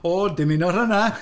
O, dim un o rheina!